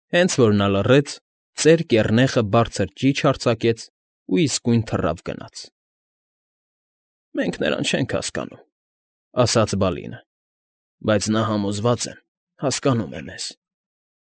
Հենց որ նա լռեց, կեռնեխը բարձր ճիչ արձակեց ու իսկույն թռավ գնաց։ ֊ Մենք նրան չենք հասկանում,֊ ասաց Բալինը,֊ բայց նա, համոզված եմ, հասկանում է մեզ։